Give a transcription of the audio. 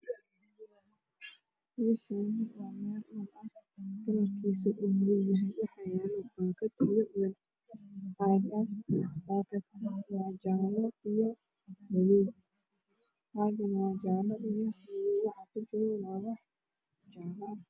Meeshaani waa meel dhul ah kalarkiisu uu madow ah waxaa yaala baakad dhibicleh caag baakadka waa jaalo iyo madow caagana waa jaalo iyo madow waxa ku jirana waa wax jaalo ah